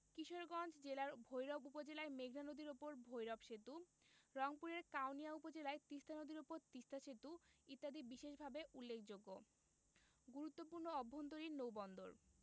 কিশোরগঞ্জ জেলার ভৈরব উপজেলায় মেঘনা নদীর উপর ভৈরব সেতু রংপুরের কাউনিয়া উপজেলায় তিস্তা নদীর উপর তিস্তা সেতু ইত্যাদি বিশেষভাবে উল্লেখযোগ্য গুরুত্বপূর্ণ অভ্যন্তরীণ নৌবন্দরঃ